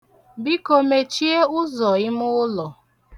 Biko, mechie ụzọ imụlọ.